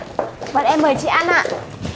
bọn em mời chị ăn ạ